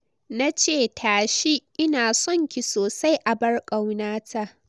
Na ce, "Tashi, ina son ki sosai, abar ƙaunata.